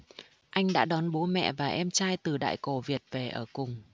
anh đã đón bố mẹ và em trai từ đại cồ việt về ở cùng